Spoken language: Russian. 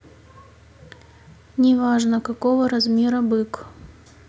неважно какого размера бык